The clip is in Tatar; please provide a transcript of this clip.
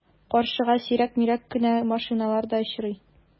Каршыга сирәк-мирәк кенә машиналар да очрый.